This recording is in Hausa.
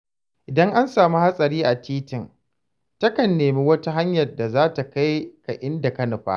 Idan an samu hatsari a titin, takan nemi wata hanyar da za ta kai ka inda ka nufa.